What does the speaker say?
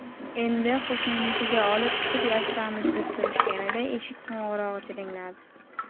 endi qo'shninikiga olib chiqib yashiramiz deb turishganida eshik qo'ng'irog'i jiringladi